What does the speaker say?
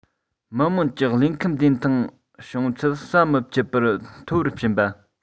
མི དམངས ཀྱི ལུས ཁམས བདེ ཐང བྱུང ཚད ཟམ མི འཆད པར མཐོ རུ ཕྱིན པ